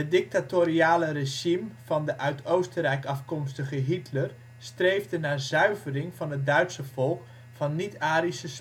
dictatoriale regime van de uit Oostenrijk afkomstige Hitler streefde naar ' zuivering ' van het Duitse volk van ' niet-arische